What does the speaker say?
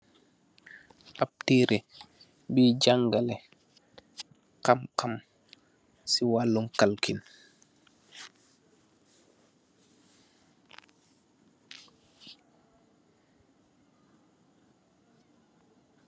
Ap tere bi jangale xamxam ci walum kalkil.